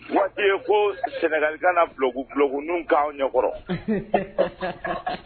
Mɔtigi ko sɛnɛgalikan dukunun k'aw ɲɛkɔrɔ